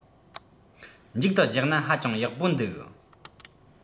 མཇུག ཏུ རྒྱག ན ཧ ཅང ཡག པོ འདུག